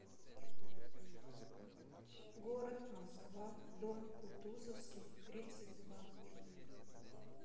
город москва дом кутузовский тридцать два